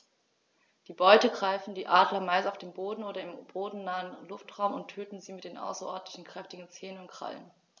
Die Beute greifen die Adler meist auf dem Boden oder im bodennahen Luftraum und töten sie mit den außerordentlich kräftigen Zehen und Krallen.